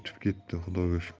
ketdi xudoga shukr